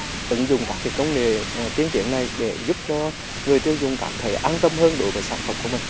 ứng dụng công nghệ tiên tiến này để giúp cho người tiêu dùng cảm thấy an tâm hơn đối với sản phẩm của mình